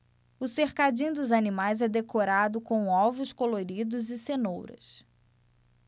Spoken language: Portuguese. o cercadinho dos animais é decorado com ovos coloridos e cenouras